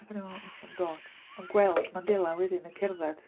Ac o'n i'n meddwl "wneith o ddim dod." Ond gweld Mandela wedyn yn cerdded...